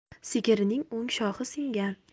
sigirining o'ng shoxi singan